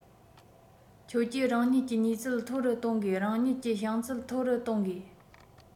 ཁྱོད ཀྱིས རང ཉིད ཀྱི ནུས རྩལ མཐོ རུ གཏོང དགོས རང ཉིད ཀྱི བྱང ཚད མཐོ རུ གཏོང དགོས